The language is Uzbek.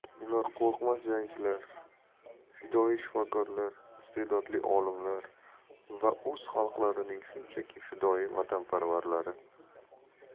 ular qo'rqmas jangchilar fidoyi shifokorlar iste'dodli olimlar va o'z xalqlarining shunchaki fidoyi vatanparvarlari